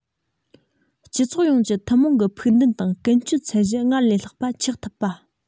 སྤྱི ཚོགས ཡོངས ཀྱི ཐུན མོང གི ཕུགས འདུན དང ཀུན སྤྱོད ཚད གཞི སྔར ལས ལྷག པ ཆགས ཐུབ པ